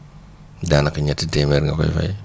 daanaka énetti téeméer nga koy fay